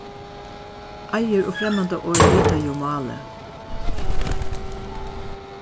eiðir og fremmandorð lita jú málið